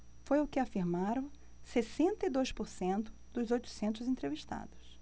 foi o que afirmaram sessenta e dois por cento dos oitocentos entrevistados